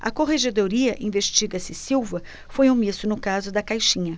a corregedoria investiga se silva foi omisso no caso da caixinha